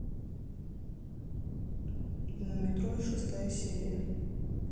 мумий тролль шестая серия